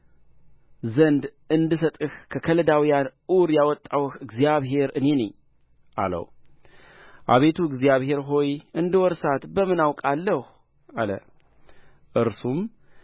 ዘንድ እንድሰጥህ ከከለዳውያን ዑር ያወጣሁህ እግዚአብሔር እኔ ነኝ አለው አቤቱ እግዚአብሔር ሆይ እንድወርሳት በምን አውቃለሁ አለ እርሱም